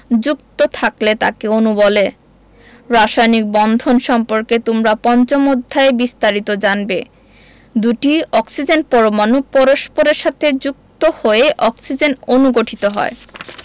যুক্ত থাকলে তাকে অণু বলে রাসায়নিক বন্ধন সম্পর্কে তোমরা পঞ্চম অধ্যায়ে বিস্তারিত জানবে দুটি অক্সিজেন পরমাণু পরস্পরের সাথে যুক্ত হয়ে অক্সিজেন অণু গঠিত হয়